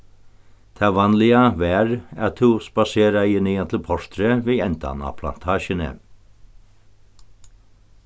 tað vanliga var at tú spaseraði niðan til portrið við endan á plantasjuni